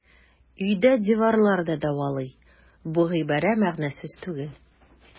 Өйдә диварлар да дәвалый - бу гыйбарә мәгънәсез түгел.